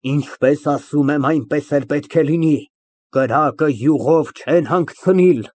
Ինչպես ասում եմ, այնպես էլ պետք է լինի։ Կրակը յուղով չեն հանգցնիլ։